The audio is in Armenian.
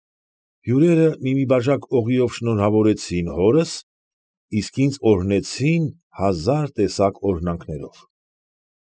Հյուրերը մի֊մի բաժակ օղիով շնորհավորեցին հորս, իսկ ինձ օրհնեցին հազար տեսակ օրհնանքներով։